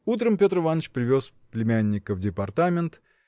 Утром Петр Иваныч привез племянника в департамент